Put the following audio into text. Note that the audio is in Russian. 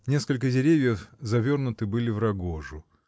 Несколько деревьев завернуты были в рогожу.